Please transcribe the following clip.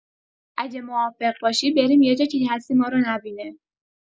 اگه موافق باشی بریم یه جا که کسی مارو نبینه.